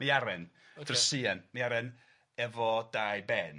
Miaren. Ocê. Drysian miaren efo dau ben.